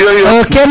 iyo iyo